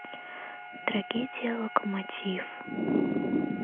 трагедия локомотив